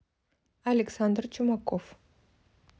александр чумаков